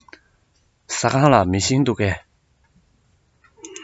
ཟ ཁང ལ མེ ཤིང འདུག གས